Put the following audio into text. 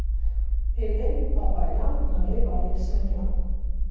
Էլեն Բաբալյան Նարեկ Ալեքսանյան։